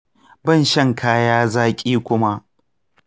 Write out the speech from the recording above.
ban shan kaya zaƙi kuma.